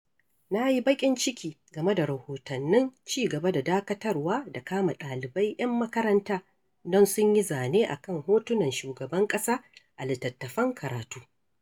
Na yi baƙin ciki game da rahotannin cigaba da dakatarwa da kama ɗalibai 'yan makaranta don sun yi zane a kan hotunan shugaban ƙasa a littattafan karatu.